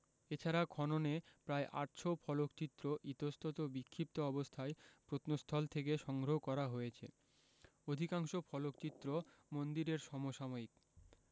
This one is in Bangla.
এছাড়া খননে প্রায় ৮০০ ফলকচিত্র ইতস্তত বিক্ষিপ্ত অবস্থায় প্রত্নস্থল থেকে সংগ্রহ করা হয়েছে অধিকাংশ ফলকচিত্র মন্দিরের সমসাময়িক